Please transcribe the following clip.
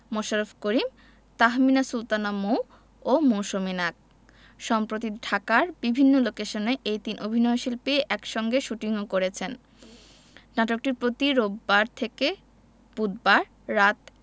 মোশাররফ করিম তাহমিনা সুলতানা মৌ ও মৌসুমী নাগ সম্প্রতি ঢাকার বিভিন্ন লোকেশনে এ তিন অভিনয়শিল্পী একসঙ্গে শুটিংও করেছেন নাটকটি প্রতি রোববার থেকে বুধবার রাত